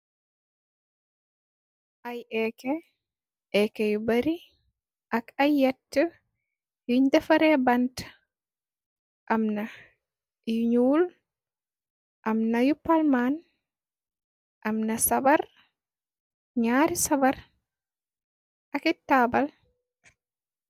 Ay eke eeke yu bari ak ay yett yuñ defare bant. Am na yu ñuul am na yu palmaan. Amna sabar ñaari sabar aki taabal.